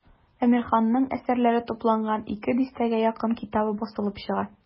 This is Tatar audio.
Әмирханның әсәрләре тупланган ике дистәгә якын китабы басылып чыга.